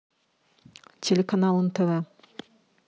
телеканал нтв